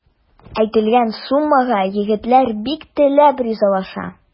Әйтелгән суммага егетләр бик теләп ризалаша.